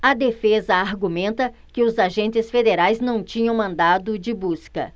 a defesa argumenta que os agentes federais não tinham mandado de busca